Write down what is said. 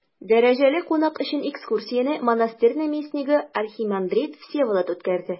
Дәрәҗәле кунак өчен экскурсияне монастырь наместнигы архимандрит Всеволод үткәрде.